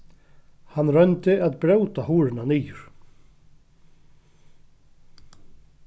hann royndi at bróta hurðina niður